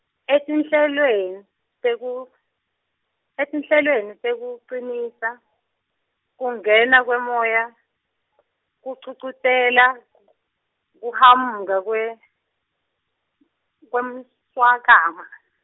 etinhlelweni teku-, etinhlelweni tekucinisa kungena kwemoya kugcugcutela kuhamuka kwe kwemswakama.